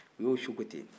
u y'o su ko ten